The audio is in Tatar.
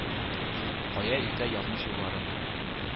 Кая илтә язмыш юлларын,